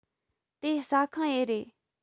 དེ ཟ ཁང ཨེ རེད